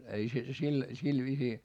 ei se sillä sillä viisiin